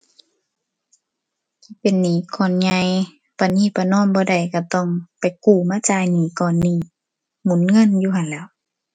เป็นหนี้ก้อนใหญ่ ประนีประนอมบ่ได้ ก็ต้องไปกู้มาจ่ายหนี้ก้อนนี้ หมุนเงินอยู่หั้นแหล้ว